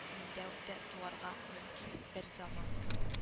Миндә дә туарга мөмкин бер заман